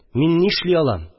Мин нишли алам